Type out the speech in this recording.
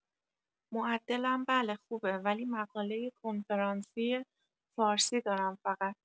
معدلم بله خوبه ولی مقاله کنفرانسی فارسی دارم فقط